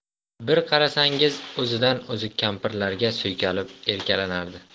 bir qarasangiz o'zidan o'zi kampirlarga suykalib erkalanardi